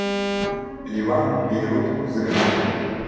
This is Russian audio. ливан бейрут взрыв